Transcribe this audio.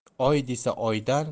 oy desa oyday